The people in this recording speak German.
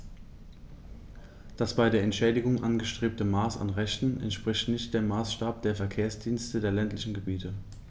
Das bei der Entschädigung angestrebte Maß an Rechten entspricht nicht dem Maßstab der Verkehrsdienste der ländlichen Gebiete.